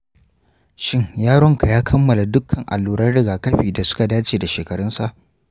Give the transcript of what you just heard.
shin yaronka ya kammala dukkan alluran riga-kafi da suka dace da shekarunsa?